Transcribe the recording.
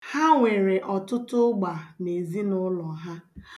Ha nwere ọtụtụ ụgba n'ezinụụlọ ha.